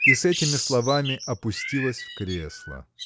И с этими словами опустилась в кресла.